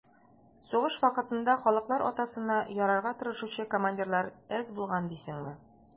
Сугыш вакытында «халыклар атасына» ярарга тырышучы командирлар әз булган дисеңме?